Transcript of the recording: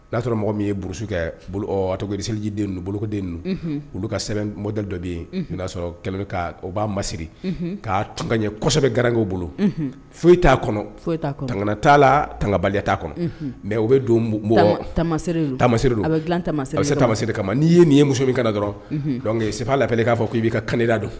O y'a sɔrɔ mɔgɔ min yeuru kɛ tosiji bolokoden olu ka sɛbɛn mɔda dɔ bɛ yen'a sɔrɔ kɛlɛ u b'a masiri' ɲɛsɛbɛ kosɛbɛ garanw bolo foyi t'a kɔnɔ foyi tanga t'a la tangabali t'a kɔnɔ mɛ u bɛ don tamasiri kama ma n'i ye nin ye muso min kana dɔrɔnke sen la k'a fɔ k'i ka kanda don